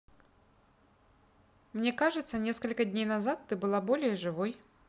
мне кажется несколько дней назад ты была поле живой